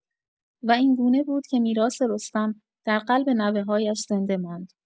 و این‌گونه بود که میراث رستم، در قلب نوه‌هایش زنده ماند.